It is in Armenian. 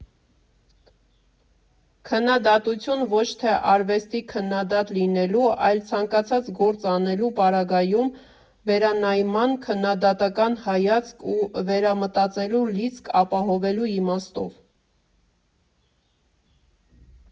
Քննադատություն ոչ թե արվեստի քննադատ լինելու, այլ ցանկացած գործ անելու պարագայում վերանայման, քննադատական հայացք ու վերամտածելու լիցք ապահովելու իմաստով։